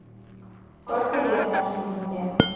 сколько лет нашей земле